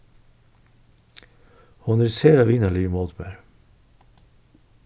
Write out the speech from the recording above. hon er sera vinarlig móti mær